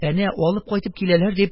Әнә алып кайтып киләләр, - дип,